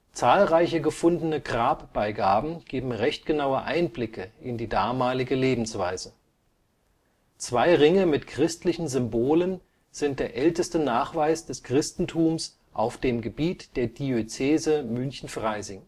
Zahlreiche gefundene Grabbeigaben geben recht genaue Einblicke in die damalige Lebensweise. Zwei Ringe mit christlichen Symbolen sind der älteste Nachweis des Christentums auf dem Gebiet der Diözese München-Freising